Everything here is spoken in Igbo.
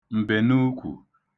m̀bènuukwù